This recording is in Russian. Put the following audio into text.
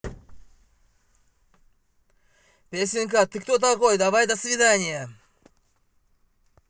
песенка ты кто такой давай до свидания